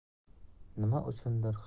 nima uchundir hammasi